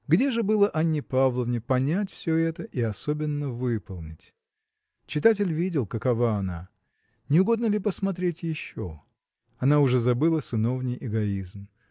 Где же было Анне Павловне понять все это и особенно выполнить? Читатель видел, какова она. Не угодно ли посмотреть еще? Она уже забыла сыновний эгоизм.